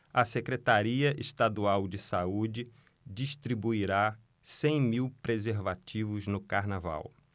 a secretaria estadual de saúde distribuirá cem mil preservativos no carnaval